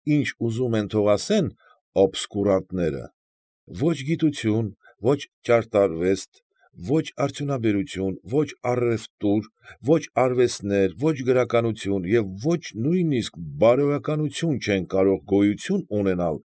Ինչ ուզում են թող ասեն օբսկուրանտները, ոչ գիտություն, ոչ ճարտարվեստ, ոչ արդյունաբերություն, ոչ առևտուր, ոչ արվեստներ, ոչ գրականություն և ոչ նույնիսկ բարոյականություն չեն կարող գոյություն ունենալ։